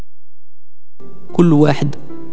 كل واحد